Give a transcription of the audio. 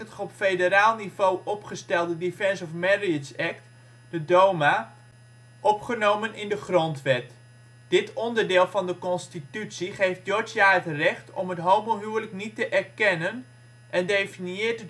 federaal niveau opgestelde Defense of Marriage Act (DOMA) opgenomen in de grondwet. Dit onderdeel van de constitutie geeft Georgia het recht om het homohuwelijk niet te erkennen, en definieert